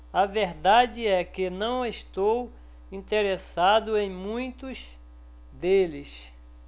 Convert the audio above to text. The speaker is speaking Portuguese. a verdade é que não estou interessado em muitos deles